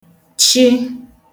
chị